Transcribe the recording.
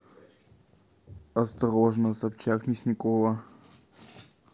осторожно собчак мясникова